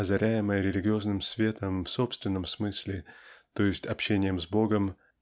озаряемая религиозным светом в собственном смысле т. е. общением с Богом